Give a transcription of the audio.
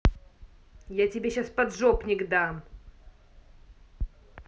я тебе сейчас поджопник дам